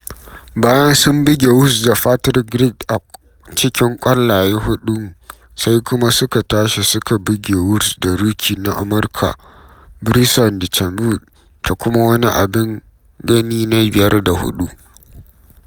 Bayan sun buge Woods da Patrick Reed a cikin ƙwallaye huɗun sai kuma suka tashi suke buge Woods da rookie na Amurka Bryson Dechambeau ta kuma wani abin gani na 5 da 4.